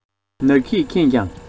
ན གྱིས མཁྱེན ཀྱང